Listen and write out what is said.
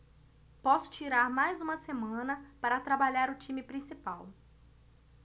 posso tirar mais uma semana para trabalhar o time principal